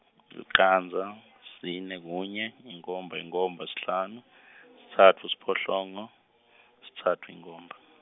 licandza, sine, kunye, inkhomba, inkhomba, sihlanu , sitsatfu, siphohlongo , sitsatfu, inkhomba.